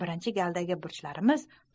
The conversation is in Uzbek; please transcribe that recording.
birinchi galdagi burchlarimiz